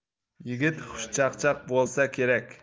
yigit xushchaqchaq bo'lsa kerak